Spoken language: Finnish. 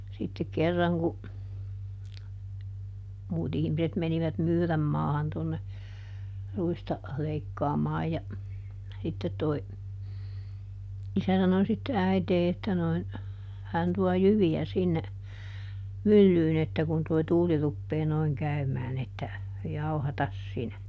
sitten kerran kun muut ihmiset menivät Myyränmaahan tuonne ruista leikkaamaan ja sitten tuo isä sanoi sitten äiti että noin hän tuo jyviä sinne myllyyn että kun tuo tuuli rupeaa noin käymään että jauhata sinä